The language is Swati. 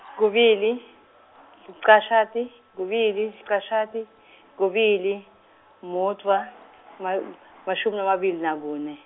kubili, lichashati, kubili, lichashati, kubili, muthwa , ma, mashumi lamabili nakune.